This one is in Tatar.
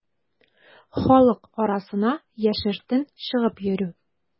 Халык арасына яшертен чыгып йөрү.